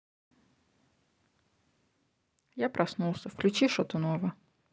я проснулся включи шатунова